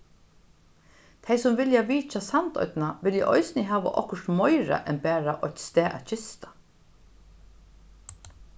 tey sum vilja vitja sandoynna vilja eisini hava okkurt meira enn bara eitt stað at gista